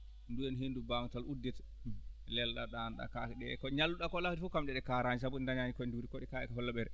joni hendu mbawa tal uddete leloɗaa ɗaanoɗa kaake ɗee ko ñalluɗaa ko ala hen fof kañƴe ɗe kaaraani sabu ɗe dañaani ko ɗe nduri ko ɗe kaari ko hooleɓere